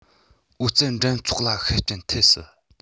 ཨོ རྩལ འགྲན ཚོགས ལ ཤུགས རྐྱེན ཐེབས སྲིད